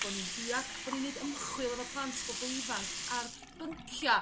bo' ni'n diall a bo' ni'n g'neud ymchwil efo plant a bobol ifanc ar byncia'